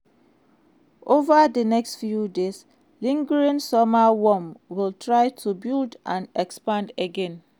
Over the next few days, lingering summer warmth will try to build and expand again.